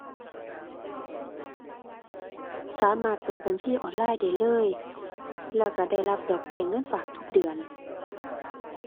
สามารถเปิดบัญชีออนไลน์ได้เลย แล้วก็ได้รับดอกเบี้ยเงินฝากทุกเดือน